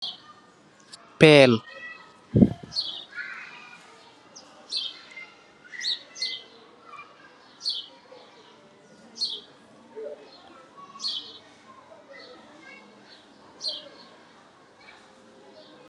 pel bu nyul